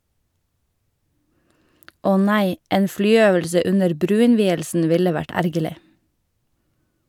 Åh nei, en flyøvelse under bruinnvielsen ville vært ergerlig.